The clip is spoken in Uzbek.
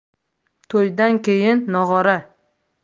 to'ydan keyin nog'ora